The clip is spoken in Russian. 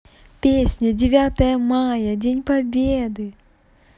песня девятое мая день победы